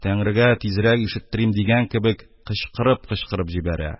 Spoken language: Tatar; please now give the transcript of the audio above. Тәңрегә тизрәк ишеттерим дигән кебек, кычкырып-кычкырып җибәрә,